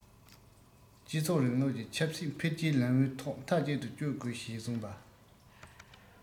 སྤྱི ཚོགས རིང ལུགས ཀྱི ཆབ སྲིད འཕེལ རྒྱས ལམ བུའི ཐོག མཐའ གཅིག ཏུ སྐྱོད དགོས ཞེས གསུངས པ